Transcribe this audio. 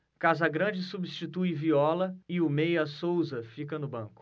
casagrande substitui viola e o meia souza fica no banco